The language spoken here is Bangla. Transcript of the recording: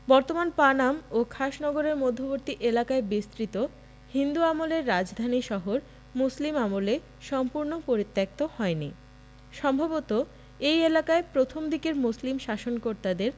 বর্তমান পানাম ও খাসনগরের মধ্যবর্তী এলাকায় বিস্তৃত হিন্দু আমলের রাজধানী শহর মুসলিম আমলে সম্পূর্ণ পরিত্যক্ত হয় নি সম্ভবত এ এলাকায় প্রথম দিকের মুসলিম শাসনকর্তাদের